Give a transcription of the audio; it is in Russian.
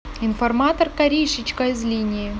информатор каришечка из линии